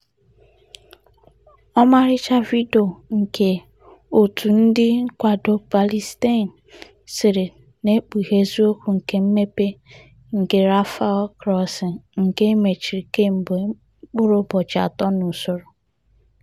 Ọmarịcha vidiyo nke òtù ndị nkwado Palestine sere na-ekpughe eziokwu nke mmepe nke Rafah Crossing, nke e mechiri kemgbe mkpụrụ ụbọchị atọ n'usoro.